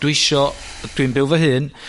dwi isio, dwi'n byw fy hun,